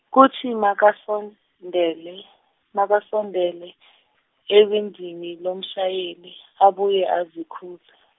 kuthi makasondele, makasondele, ewindini lomshayeli, abuye azikhuze.